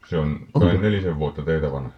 se on kai nelisen vuotta teitä vanhempi